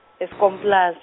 Eskom plaas.